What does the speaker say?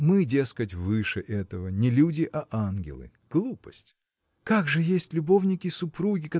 мы, дескать, выше этого, не люди, а ангелы – глупость! – Как же есть любовники-супруги